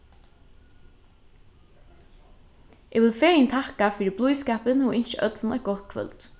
eg vil fegin takka fyri blíðskapin og ynskja øllum eitt gott kvøld